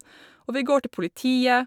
Og vi går til politiet.